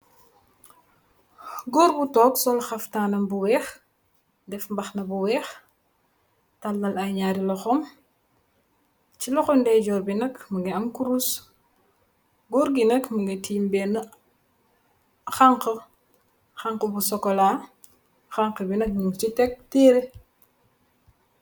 Gór bi tóóg sol xaptan nam bu wèèx def mbàxna bu wèèx talal ay ñaari loxom, ci loxo ndayjoor bi nak mugii am kurus. Gór ngi nak mugii tiim benna xanxa, xanxa bu sokola xanxa gi nak ñing ci tèk teré.